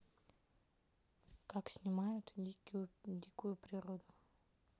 как снимают дикую природу